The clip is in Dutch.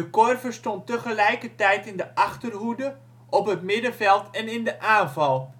Korver stond tegelijkertijd in de achterhoede, op het middenveld en in de aanval